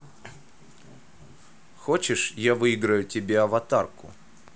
хочешь я выиграю тебе аватарку